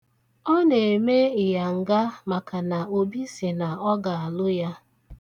Ọ na-eme ịnyanga maka na Obi sị na ọ ga-alụ ya.